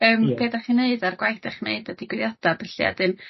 yym... Ie. ... be' 'dach chi'n neud ar gwaith 'dach neud a digwyddiada a bellu a dim